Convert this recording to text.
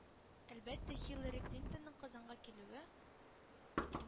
Әлбәттә, Хиллари Клинтонның Казанга килүе